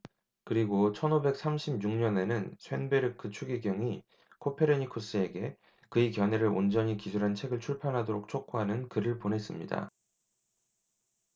그리고 천 오백 삼십 육 년에는 쇤베르크 추기경이 코페르니쿠스에게 그의 견해를 온전히 기술한 책을 출판하도록 촉구하는 글을 보냈습니다